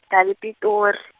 -hlale ePitori.